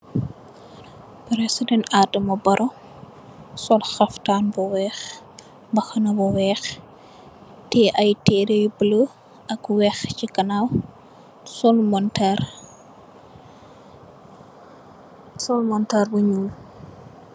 President Adama barrow sol halftan bu weih mbahana bu weih teyeh i tereh yu buloo ak weih sey ganaw sol montorr ,sol montorr bu nyuul.